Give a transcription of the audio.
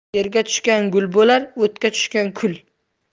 yerga tushgan gul bo'lar o'tga tushgan kul